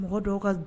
Mɔgɔ dɔw ka